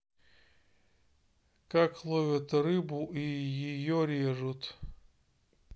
как ловят рыбу и ее режут